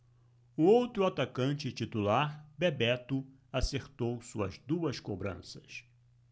o outro atacante titular bebeto acertou suas duas cobranças